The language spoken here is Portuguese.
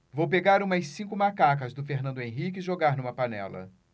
vou pegar umas cinco macacas do fernando henrique e jogar numa panela